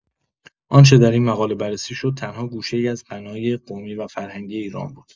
آنچه در این مقاله بررسی شد، تنها گوشه‌ای از غنای قومی و فرهنگی ایران بود.